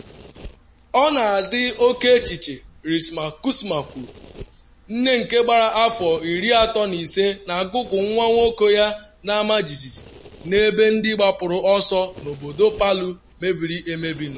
“Ọ na-adị oke echiche,” Risa Kusuma kwuru, nne nke gbara afọ 35, na-agụgụ nwa nwoke ya na-amajiji n’ebe ndị gbapụrụ ọsọ n’obodo Palu mebiri emebi nọ.